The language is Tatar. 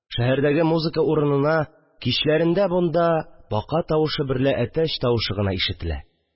Шәһәрдәге музыка урынына кичләрендә монда бака тавышы берлә әтәч тавышы гына ишетелә